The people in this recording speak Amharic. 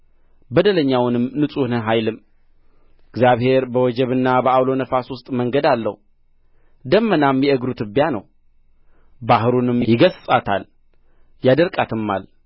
በደለኛውንም ንጹሕ ነህ አይልም እግዚአብሔር በወጀብና በዐውሎ ነፋስ ውስጥ መንገድ አለው ደመናም የእግሩ ትቢያ ነው ባሕሩንም ይገሥጻታል ያደርቃትማል